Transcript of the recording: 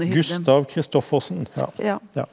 Gustav Kristoffersen ja ja.